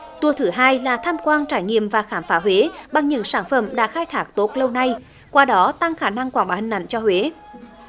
tua thứ hai là tham quan trải nghiệm và khám phá huế bằng những sản phẩm đã khai thác tốt lâu nay qua đó tăng khả năng quảng bá hình ảnh cho huế